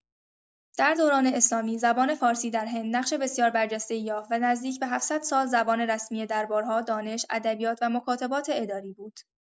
در دوران اسلامی، زبان فارسی در هند نقش بسیار برجسته‌ای یافت و نزدیک به هفتصد سال زبان رسمی دربارها، دانش، ادبیات و مکاتبات اداری بود.